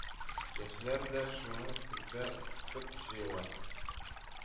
Яшьләр дә шуны күздә тотып җыела